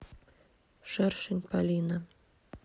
шершень полина